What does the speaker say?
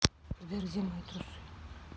сбер где мои трусы